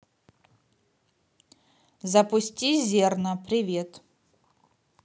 запусти зерна привет